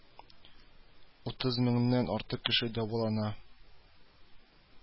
Утыз меңнән артык кеше дәвалана